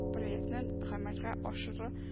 Проектны гамәлгә ашыру